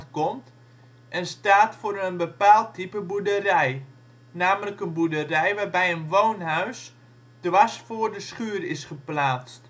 komt en staat voor een bepaald type boerderij, namelijk een boerderij waarbij het woonhuis dwars voor de schuur is geplaatst